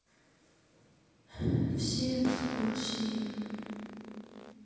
все экскурсии